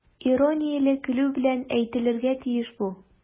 Иронияле көлү белән әйтелергә тиеш бу.